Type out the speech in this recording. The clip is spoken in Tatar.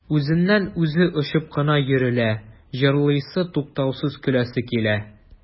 Үзеннән-үзе очып кына йөрелә, җырлыйсы, туктаусыз көләсе килә.